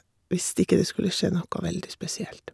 Hvis ikke det skulle skje noe veldig spesielt.